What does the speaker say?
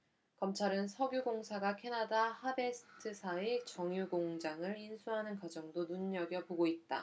검찰은 석유공사가 캐나다 하베스트사의 정유공장을 인수하는 과정도 눈여겨보고 있다